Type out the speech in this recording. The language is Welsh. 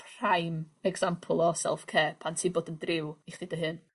prime example o self care pan ti bod yn driw i chdi dy hyn.